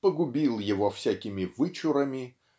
погубил его всякими вычурами